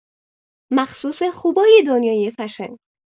مخصوص خوبای دنیای فشن